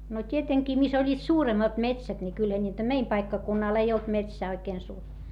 no tietenkin missä olivat suuremmat metsät niin kyllähän niitä meidän paikkakunnalla ei ollut metsää oikein -